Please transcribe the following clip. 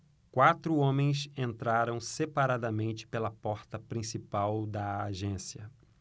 quatro homens entraram separadamente pela porta principal da agência